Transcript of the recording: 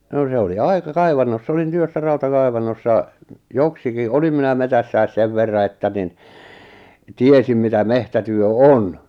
no se oli aika kaivannossa olin työssä rautakaivannossa joksikin olin minä metsässä sen verran että niin tiesin mitä metsätyö on